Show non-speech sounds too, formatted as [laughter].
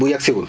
[hesitation] [hesitation]